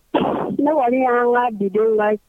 Ne wa bidon la